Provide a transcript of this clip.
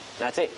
'Na ti.